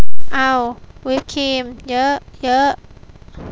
เอาวิปครีมเยอะเยอะ